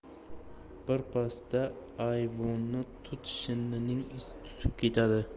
birpasda ayvonni tut shinnining isi tutib ketadi